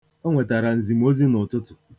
O nwetara nzimozi n'ụtụtụ.